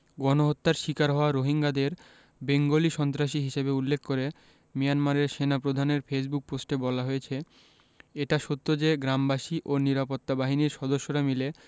গণহত্যার শিকার হওয়া রোহিঙ্গাদের বেঙ্গলি সন্ত্রাসী হিসেবে উল্লেখ করে মিয়ানমারের সেনাপ্রধানের ফেসবুক পোস্টে বলা হয়েছে এটা সত্য যে গ্রামবাসী ও নিরাপত্তা বাহিনীর সদস্যরা মিলে